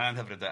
A yn hyfryd de.